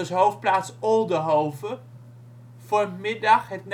hoofdplaats Oldehove) vormt Middag